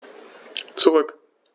Zurück.